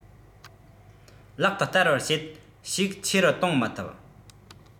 ལག ཏུ བསྟར བར བྱེད ཤུགས ཆེ རུ གཏོང མི ཐུབ